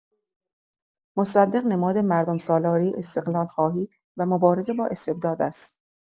مصدق نماد مردم‌سالاری، استقلال‌خواهی و مبارزه با استبداد است.